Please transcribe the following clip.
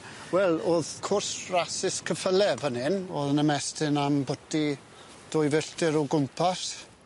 Wel o'dd cwrs rasus cyffyle fan hyn o'dd yn ymestyn am 'bwti dwy filltir o gwmpas.